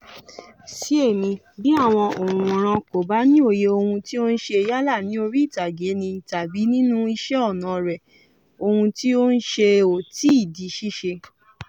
Sí èmi, bí àwọn òǹwòran kò bá ní òye ohun tí ò ń ṣe yálà ní orí ìtàgé ni tàbí nínú iṣẹ́ ọnà rẹ̀ ohun tí ò ń ṣẹ ò tìí di ṣíṣe